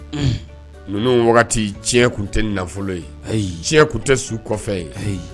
Ninnu wagati tiɲɛ tun tɛ nafolo ye ayi tiɲɛ tun tɛ su kɔfɛ ayi